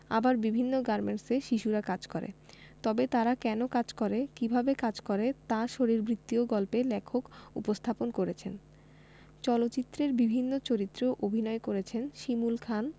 আবার বিভিন্ন গার্মেন্টসে শিশুরা কাজ করে তবে তারা কেন কাজ করে কিভাবে কাজ করে তা শরীরবৃত্তীয় গল্পে লেখক উপস্থাপন করেছেন চলচ্চিত্রের বিভিন্ন চরিত্রে অভিনয় করেছেন শিমুল খান